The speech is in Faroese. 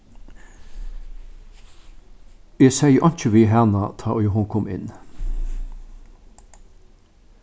eg segði einki við hana tá ið hon kom inn